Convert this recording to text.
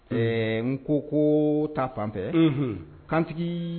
Ɛɛ n ko k'oo ta fanfɛ unhun kantigii